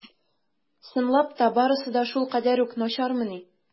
Чынлап та барысы да шулкадәр үк начармыни?